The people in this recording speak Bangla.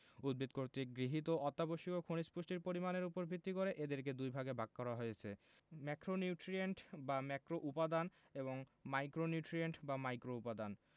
উদ্ভিদ কর্তৃক গৃহীত অত্যাবশ্যকীয় খনিজ পুষ্টির পরিমাণের উপর ভিত্তি করে এদেরকে দুইভাগে ভাগ করা হয়েছে ম্যাক্রোনিউট্রিয়েন্ট বা ম্যাক্রোউপাদান এবং মাইক্রোনিউট্রিয়েন্ট বা মাইক্রোউপাদান